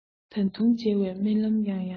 ད དུང མཇལ བའི སྨོན ལམ ཡང ཡང འདེབས